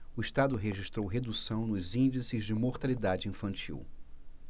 o estado registrou redução nos índices de mortalidade infantil